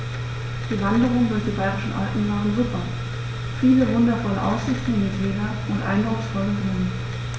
Die Wanderungen durch die Bayerischen Alpen waren super. Viele wundervolle Aussichten in die Täler und eindrucksvolle Blumen.